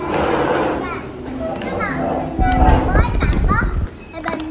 tập á